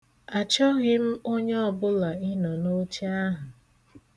Achọghị m onye ọbụla ịnọ n'oche ahụ!